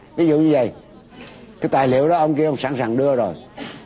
ví dụ như dầy cái tài liệu đó ông kia sẵn sàng đưa rồi